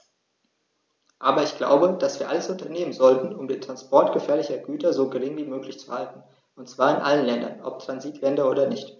Aber ich glaube, dass wir alles unternehmen sollten, um den Transport gefährlicher Güter so gering wie möglich zu halten, und zwar in allen Ländern, ob Transitländer oder nicht.